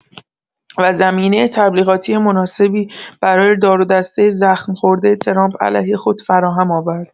و زمینه تبلیغاتی مناسبی برای دارودسته زخم‌خورده ترامپ علیه خود فراهم آورد.